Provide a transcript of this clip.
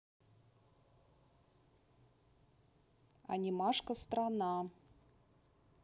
анимашка страна